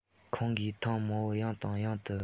ཁོང གིས ཐེངས མང པོར ཡང དང ཡང དུ